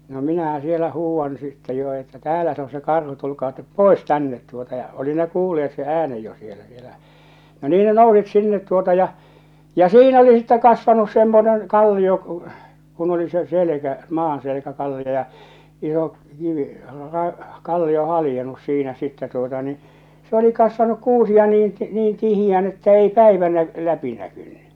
no minähän siellä huudan sitten jo että täällä se on se karhu tulkaa te pois tänne tuota ja oli ne kuulleet sen äänen jo siellä siellä no niin ne nousi sinne tuota ja ja siinä oli sitten kasvanut semmoinen kallio kun kun oli se selkä maanselkä kallio ja iso kivi - kallio haljennut siinä sitten tuota niin se oli kasvanut kuusia niin - niin tiheään että ei päivä - läpi näkynyt